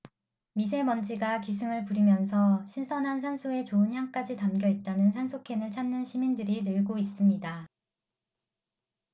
미세먼지가 기승을 부리면서 신선한 산소에 좋은 향까지 담겨 있다는 산소캔을 찾는 시민들이 늘고 있습니다